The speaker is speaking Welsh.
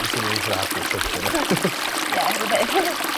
fyswn i eitha hapus hebddo n'w . Ie yr un peth .